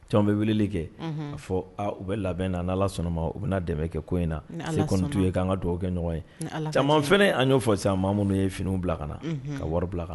Cɛw bɛ wele kɛ a fɔ u bɛ labɛn na ala sɔnnama u bɛ dɛmɛ kɛ ko in na kɔni t' ye k'an ka dɔw kɛ ɲɔgɔn ye caman fana an y' fɔ sisanmu ye finiw bila kana ka wari bila kana na